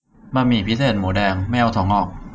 บะหมี่พิเศษหมูแดงไม่เอาถั่วงอก